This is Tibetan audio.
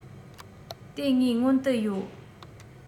དེ ངའི སྔོན དུ ཡོད